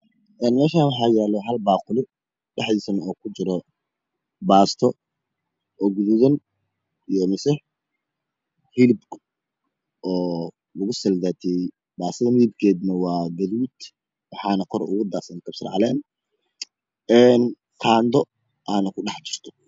Meeshaani waxaa yaala halbaaquli dhaxdiisana uu kujiro baasto oo gaduudan iyo mise hilib oo lagu saldaateeyey baastada midibkeedu waa gaduud waxaa kor oo gadaasan kabsar caleen ee qaado ayaana kudhaxjirta